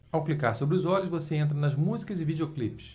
ao clicar sobre os olhos você entra nas músicas e videoclipes